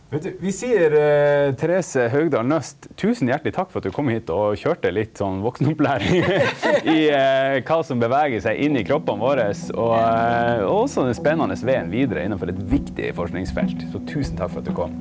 veit du vi seier Therese Haugdahl Nøst, 1000 hjarteleg takk for at du kom hit og køyrde det litt sånn vaksenopplæring i i kva som bevegar seg inn i kroppane våre og og også den spennande vegen vidare innanfor eit viktig forskingsfelt, så tusen takk for at du kom.